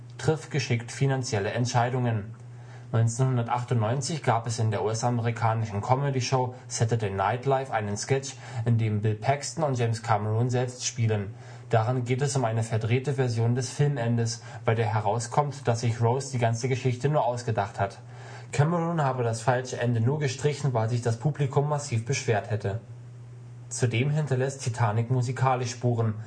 finanzielle Entscheidungen “. 1998 gab es in der US-amerikanischen Comedy-Show Saturday Night Live einen Sketch, in dem Bill Paxton und James Cameron selbst spielen. Darin geht es um eine verdrehte Version des Filmendes, bei der herauskommt, dass sich Rose die ganze Geschichte nur ausgedacht hat. Cameron habe das falsche Ende nur gestrichen, weil sich das Publikum massiv beschwert hätte. Zudem hinterlässt Titanic musikalisch Spuren